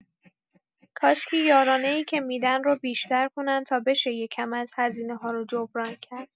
کاشکی یارانه‌ای که می‌دن رو بیشتر کنن تا بشه یه کم از هزینه‌ها رو جبران کرد.